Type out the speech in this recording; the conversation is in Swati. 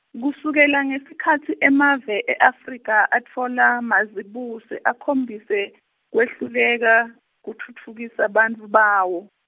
kusukela ngesikhatsi emave e-Afrika atfola mazibuse akhombise, kwehluleka, kutfutfukisa bantfu bawo.